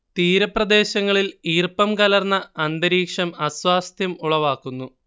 തീരപ്രദേശങ്ങളിൽ ഈർപ്പം കലർന്ന അന്തരീക്ഷം അസ്വാസ്ഥ്യം ഉളവാക്കുന്നു